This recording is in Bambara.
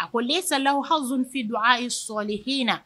A ko leyi salahou haouzou fii douhahi sɔlihina